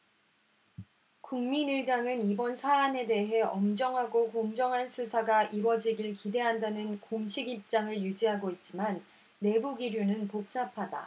국민의당은 이번 사안에 대해 엄정하고 공정한 수사가 이뤄지길 기대한다는 공식 입장을 유지하고 있지만 내부 기류는 복잡하다